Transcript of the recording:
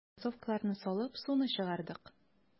Без кроссовкаларны салып, суны чыгардык.